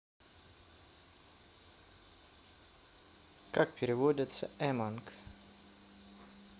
как переводится among